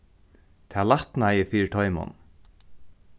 tað lætnaði fyri teimum